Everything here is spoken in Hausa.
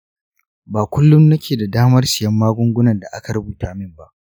ba kullum nake da damar siyan magungunan da aka rubuta min ba.